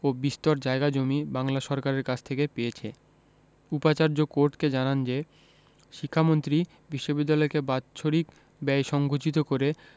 ও বিস্তর জায়গা জমি বাংলা সরকারের কাছ থেকে পেয়েছে উপাচার্য কোর্টকে জানান যে শিক্ষামন্ত্রী বিশ্ববিদ্যালয়কে বাৎসরিক ব্যয় সংকুচিত করে